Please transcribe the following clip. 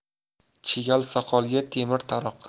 chigal soqolga temir taroq